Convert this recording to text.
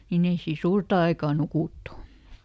niin ei siinä suurta aikaa nukuttu